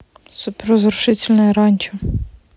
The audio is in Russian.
супер разрушительное ранчо